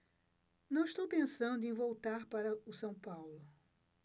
não estou pensando em voltar para o são paulo